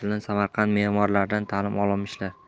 bilan samarqand memorlaridan talim olmishlar